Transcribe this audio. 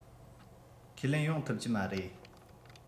ཁས ལེན ཡོང ཐུབ ཀྱི མ རེད